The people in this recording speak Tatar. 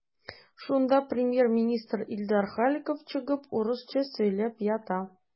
Шунда премьер-министр Илдар Халиков чыгып урысча сөйләп ята.